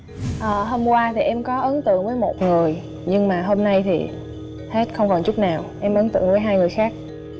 ờ hôm qua thì em có ấn tượng với một người nhưng mà hôm nay thì hết không còn chút nào em ấn tượng với hai người khác